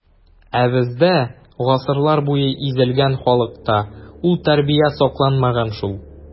Ә бездә, гасырлар буе изелгән халыкта, ул тәрбия сакланмаган шул.